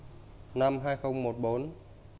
năm hai không một bốn